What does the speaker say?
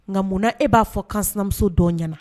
Nka munna e b'a fɔ kansinamuso dɔ ɲɛna